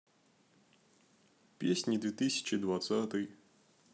песни две тысячи двадцатый